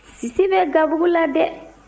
sisi bɛ gabugu la dɛ